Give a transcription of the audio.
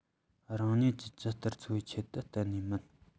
རང ཉིད ཀྱི ཇི ལྟར འཚོ བའི ཆེད དུ གཏན ནས མིན